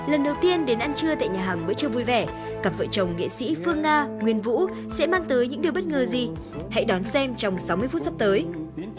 lần đầu tiên đến ăn trưa tại nhà hàng bữa trưa vui vẻ cặp vợ chồng nghệ sĩ phương nga nguyên vũ sẽ mang tới những điều bất ngờ gì hãy đón xem trong sáu mươi phút sắp tới